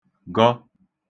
gọ